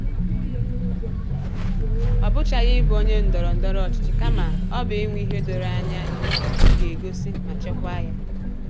Ọ bụchaghị ịbụ onye otu ndọrọndọrọ ọchịchị, kama ọ bụ inwe ihe doro anya ị ga-egosi, ma chekwaa ya.